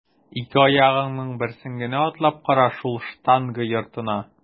Ике аягыңның берсен генә атлап кара шул штанга йортына!